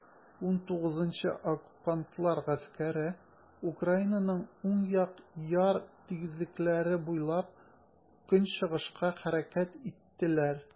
XIX Оккупантлар гаскәре Украинаның уң як яр тигезлекләре буйлап көнчыгышка хәрәкәт иттеләр.